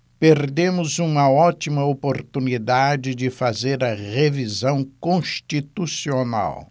perdemos uma ótima oportunidade de fazer a revisão constitucional